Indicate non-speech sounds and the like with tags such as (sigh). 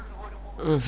(hesitation) (hesitation)